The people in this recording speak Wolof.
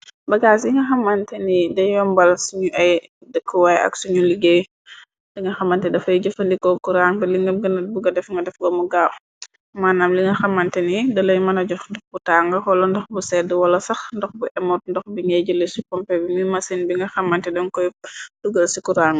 bagaas yi nga xamante ni deyombal s ñu ay dëkkuwaay ak suñu liggéey di nga xamante dafay jëfandikoo kuranbe li nga gënar buga def nga def gamu ga manam li nga xamante ni dalay mëna jox ndox bu tàng xola ndox bu sedd wala sax ndox bu emoot ndox bi ngay jële ci pompa bi mi masin bi nga xamante dan koy tugal ci kurang.